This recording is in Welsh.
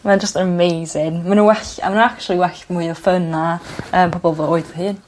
mae o jyst amazing. Ma' n'w well... A ma'n actually well mwy o fun* na yy pobol fy oed fy hun.